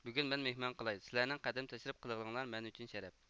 بۈگۈن مەن مېھمان قىلاي سىلەرنىڭ قەدەم تەشرىپ قىلغىنىڭلار مەن ئۈچۈن شەرەپ